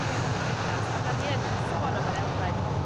Ia bendant a 'dan ni yn sôn am yr elfen